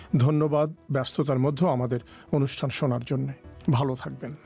ধন্যবাদ ব্যস্ততার মধ্যেও আমাদের অনুষ্ঠান শোনার জন্যে ভাল থাকবেন